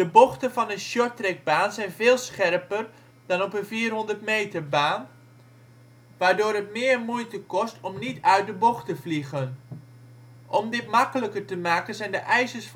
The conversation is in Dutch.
bochten van een shorttrackbaan zijn veel scherper dan op een 400-meterbaan, waardoor het meer moeite kost om niet uit de bocht te vliegen. Om dit makkelijker te maken zijn de ijzers